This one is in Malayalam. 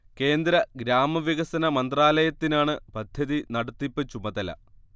കേന്ദ്ര ഗ്രാമവികസന മന്ത്രാലയത്തിനാണ് പദ്ധതി നടത്തിപ്പ് ചുമതല